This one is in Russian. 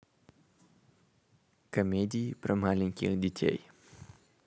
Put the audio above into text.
комедии про маленьких детей